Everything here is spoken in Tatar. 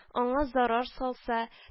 Аңа зарар салса